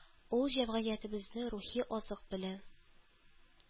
Ул җәмгыятебезне рухи азык белән